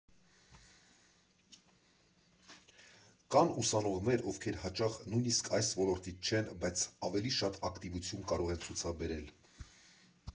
Կան ուսանողներ, ովքեր հաճախ նույնսիկ այս ոլորտից չեն, բայց ավելի շատ ակտիվություն կարող են ցուցաբերել։